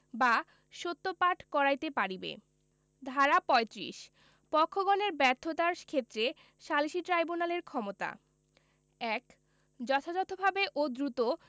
বা সত্য পাঠ করাইতে পারিবে ধারা ৩৫ পক্ষগণের ব্যর্থতার ক্ষেত্রে সালিসী ট্রাইব্যুনালের ক্ষমতা ১ যথাযথভাবে ও দ্রুত